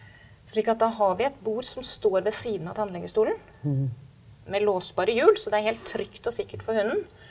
slik at da har vi et bord som står ved siden av tannlegestolen med låsbare hjul så det er helt trygt og sikkert for hunden.